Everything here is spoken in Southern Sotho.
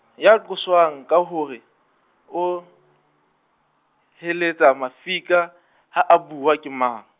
ya qoswang ka hore, o, heletsa mafika, ha a bua ke mang?